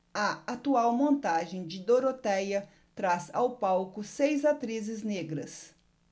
a atual montagem de dorotéia traz ao palco seis atrizes negras